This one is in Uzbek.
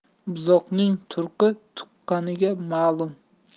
buzoqning turqi tuqqaniga ma'lum